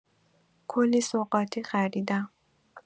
کلی سوغاتی خریدم.